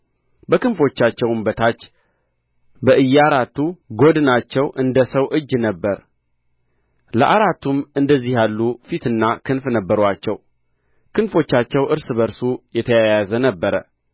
በክንፎቻቸውም በታች በእያራቱ ጐድናቸው እንደ ሰው እጅ ነበረ ለአራቱም እንደዚህ ያሉ ፊትና ክንፍ ነበሩአቸው ክንፎቻቸው እርስ በእርሱ የተያያዘ ነበረ